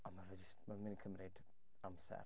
Ond ma' fe jyst... ma' fe'n mynd i cymryd amser.